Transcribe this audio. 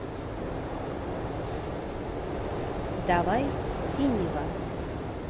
давай синего